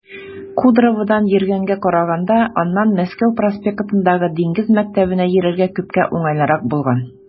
Кудроводан йөргәнгә караганда аннан Мәскәү проспектындагы Диңгез мәктәбенә йөрергә күпкә уңайлырак булган.